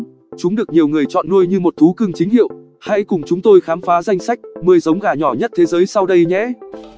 chúng được nhiều người chọn nuôi như một thú cưng chính hiệu hãy cùng chúng tôi khám phá danh sách giống gà nhỏ nhất thế giới sau đây nhé